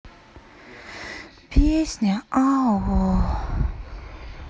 песня ау